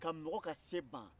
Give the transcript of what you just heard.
ka mɔgɔ ka se ban